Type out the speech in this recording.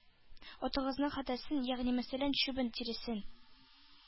Атыгызның хәдәсен, ягъни мәсәлән, чүбен, тиресен.